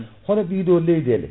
hono ɗiɗo leyɗele